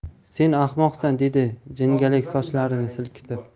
sen ahmoqsan dedi jingalak sochlarini silkitib